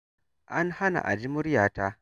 An hana a ji muryata.